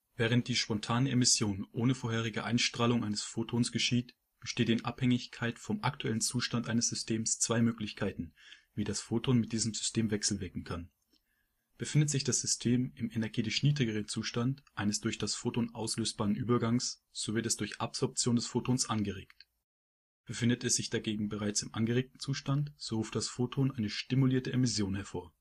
Während die spontane Emission ohne vorherige Einstrahlung eines Photons geschieht, bestehen in Abhängigkeit vom aktuellen Zustand eines Systems zwei Möglichkeiten, wie das Photon mit diesem System wechselwirken kann: befindet sich das System im energetisch niedrigeren Zustand eines durch das Photon auslösbaren Übergangs, so wird es durch Absorption des Photons angeregt. Befindet es sich dagegen bereits im angeregten Zustand, so ruft das Photon eine stimulierte Emission hervor